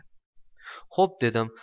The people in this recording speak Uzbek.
xo'p dedim